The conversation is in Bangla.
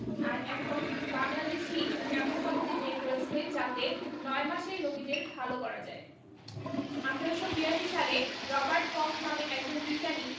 আর এখন বাংলাদেশই এমন পদ্ধতি বের করেছে যাতে ৯ মাসেই রোগীদের ভালো করা যায় ১৮৮২ সালে রবার্ট কক্স নামে একজন বিজ্ঞানী